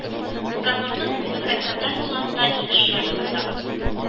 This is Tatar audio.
Сканвордның төсле горизонталь юлларында Илеш районында